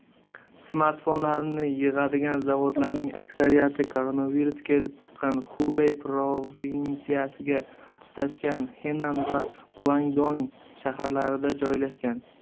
smartfonlarni yig'adigan zavodlarning aksariyati koronavirus kelib chiqqan xubey provinsiyasiga tutashgan henan va guangdong shaharlarida joylashgan